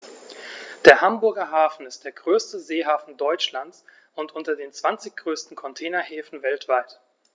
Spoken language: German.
Der Hamburger Hafen ist der größte Seehafen Deutschlands und unter den zwanzig größten Containerhäfen weltweit.